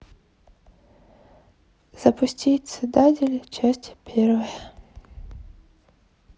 запусти цитадель часть первая